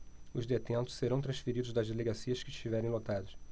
os detentos serão transferidos das delegacias que estiverem lotadas